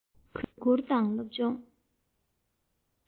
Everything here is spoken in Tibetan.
གུས བཀུར དང སློབ སྦྱོང